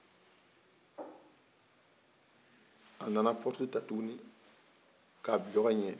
a nana porte ta tuguni ka bila ka ɲɛ